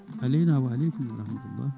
aleyna wa aleykum wa rahmatullah